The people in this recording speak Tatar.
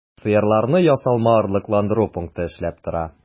Сыерларны ясалма орлыкландыру пункты эшләп тора.